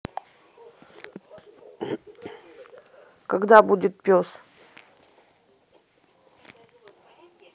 когда будет пес